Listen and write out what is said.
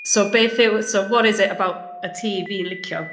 So beth yw... so what is it about y tŷ fi'n licio?